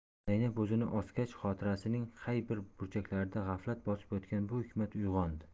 zaynab o'zini osgach xotirasining qay bir burchaklarida g'aflat bosib yotgan bu hikmat uyg'ondi